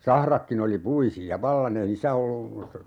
sahratkin oli puisia vallan ei niissä ollut